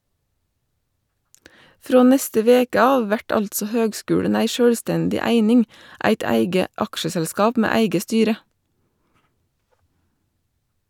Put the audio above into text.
Frå neste veke av vert altså høgskulen ei sjølvstendig eining, eit eige aksjeselskap med eige styre.